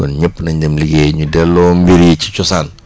kon ñëpp nañ dem liggéeyi ñu delloo mbir yi cosaan